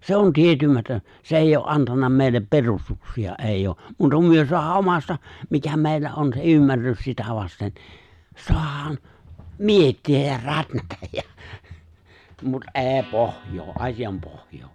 se on tietymätön se ei ole antanut meille perustuksia ei ole muuta kuin me saadaan omasta mikä meillä on se ymmärrys sitä vasten saadaan miettiä ja rätnätä ja mutta ei pohjaa asian pohjaa